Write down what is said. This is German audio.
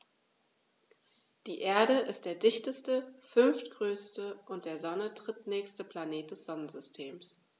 Die Erde ist der dichteste, fünftgrößte und der Sonne drittnächste Planet des Sonnensystems.